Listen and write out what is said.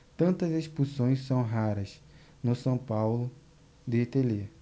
tantas expulsões são raras no são paulo de telê